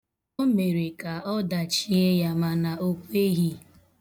O mere ka ọ dachie ya mana o kweghị.